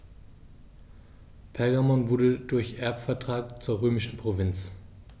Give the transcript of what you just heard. Pergamon wurde durch Erbvertrag zur römischen Provinz.